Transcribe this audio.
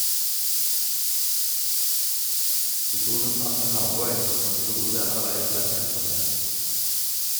Syklonen traff en naboøy, og store deler av øya ble helt rasert.